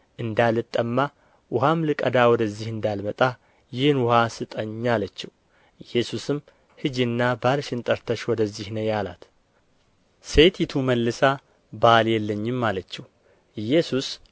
እንዳልጠማ ውኃም ልቀዳ ወደዚህ እንዳልመጣ ይህን ውኃ ስጠኝ አለችው ኢየሱስም ሂጂና ባልሽን ጠርተሽ ወደዚህ ነዪ አላት ሴቲቱ መልሳ ባል የለኝም አለችው ኢየሱስ